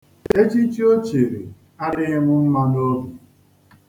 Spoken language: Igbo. Echichi o chiri adịghị m mma n'obi.